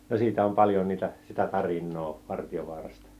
no siitä on paljon niitä sitä tarinaa Vartiovaarasta